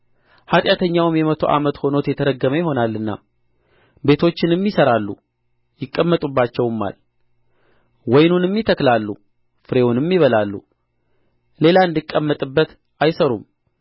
ኃጢአተኛውም የመቶ ዓመት ሆኖት የተረገመ ይሆናልና ቤቶችንም ይሠራሉ ይቀመጡባቸውማል ወይኑንም ይተክላሉ ፍሬውንም ይበላሉ ሌላ እንዲቀመጥበት አይሠሩም